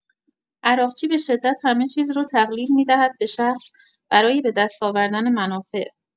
عراقچی به‌شدت همه چیز رو تقلیل می‌دهد به شخص برای به دست آوردن منافع.